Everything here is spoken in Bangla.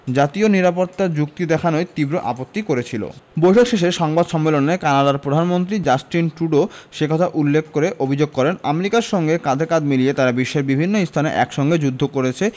জাতীয় নিরাপত্তার যুক্তি দেখানোয় তীব্র আপত্তি করেছিল বৈঠক শেষে সংবাদ সম্মেলনে কানাডার প্রধানমন্ত্রী জাস্টিন ট্রুডো সে কথা উল্লেখ করে অভিযোগ করেন আমেরিকার সঙ্গে কাঁধে কাঁধ মিলিয়ে তারা বিশ্বের বিভিন্ন স্থানে একসঙ্গে যুদ্ধ করেছে